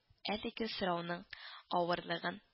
Әлеге сорауның авырлыгын